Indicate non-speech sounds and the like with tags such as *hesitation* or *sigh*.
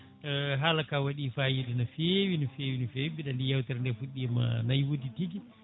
*hesitation* haalaka waaɗi fayida no fewi no fewi no fewi mbiɗa andi yewtere nde fuɗɗima naywude tigui